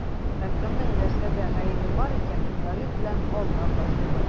Ә кемнең нәрсәдә гаебе бар икәнен тарих белән Аллаһ ачыклар.